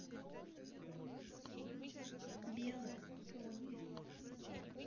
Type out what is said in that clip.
белая пони